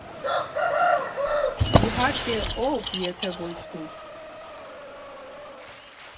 Իհարկե, ո՞վ, եթե ոչ դուք։